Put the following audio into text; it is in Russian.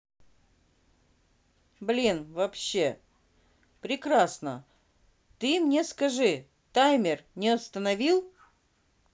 блин вообще прекрасно ты мне скажи таймер не устанавливал